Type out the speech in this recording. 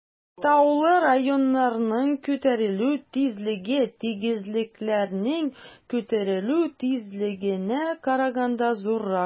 Таулы районнарның күтәрелү тизлеге тигезлекләрнең күтәрелү тизлегенә караганда зуррак.